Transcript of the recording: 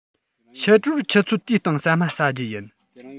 ཕྱི དྲོར ཆུ ཚོད དུའི སྟེང ཟ མ ཟ རྒྱུ ཡིན